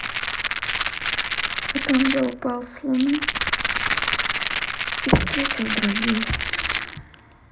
потом я упал с луны и встретил друзей